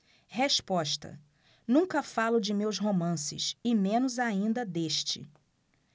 resposta nunca falo de meus romances e menos ainda deste